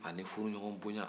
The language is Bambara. ani fuduɲɔgɔnbonya